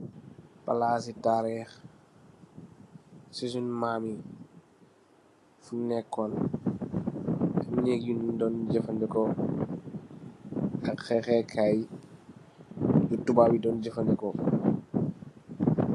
Plassi taareh cii sung mam yii, fu nekon ak nehgg yungh don jeufandehkor, ak khekeh kaii yii yu tubab yii don jeufandehkor.